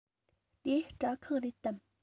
དེ སྐྲ ཁང རེད དམ